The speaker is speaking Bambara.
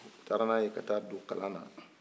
u taara n'a ye ka don kalanan